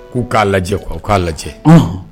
K'u k'a lajɛ k' u k'a lajɛ h